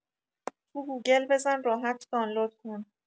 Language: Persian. تو گوگل بزن راحت دانلود کن